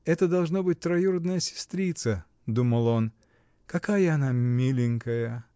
Это должно быть троюродная сестрица, — думал он, — какая она миленькая!